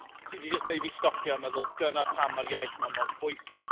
Sy 'di jyst wneud i fi stopio a meddwl, dyna pam ma'r iaith yma mor bwysig.